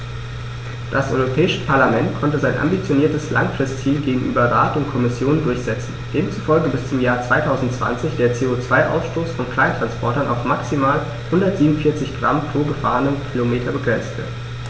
Das Europäische Parlament konnte sein ambitioniertes Langfristziel gegenüber Rat und Kommission durchsetzen, demzufolge bis zum Jahr 2020 der CO2-Ausstoß von Kleinsttransportern auf maximal 147 Gramm pro gefahrenem Kilometer begrenzt wird.